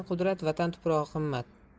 qudrat vatan tuprog'i qimmat